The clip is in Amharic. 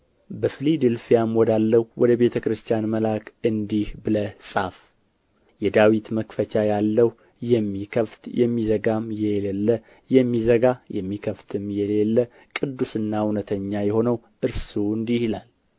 በፊልድልፍያም ወዳለው ወደ ቤተ ክርስቲያን መልአክ እንዲህ ብለህ ጻፍ የዳዊት መክፈቻ ያለው የሚከፍት የሚዘጋም የሌለ የሚዘጋ የሚከፍትም የሌለ ቅዱስና እውነተኛ የሆነው እርሱ እንዲህ ይላል